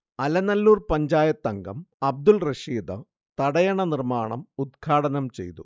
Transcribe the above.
അലനല്ലൂർ പഞ്ചായത്തംഗം അബ്ദുൾറഷീദ് തടയണ നിർമാണം ഉദ്ഘാടനം ചെയ്തു